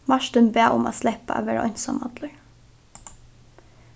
martin bað um at sleppa at vera einsamallur